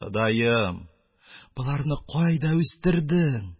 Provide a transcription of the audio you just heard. Ходаем, боларны кайда үстердең?